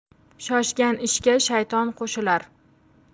shoshgan ishga shayton qo'shilar